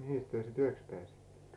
mihinkäs te sitten yöksi pääsitte